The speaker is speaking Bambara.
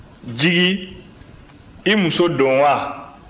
jigi i muso don wa